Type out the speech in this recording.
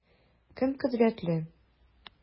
Кем кодрәтле?